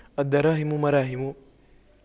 الدراهم مراهم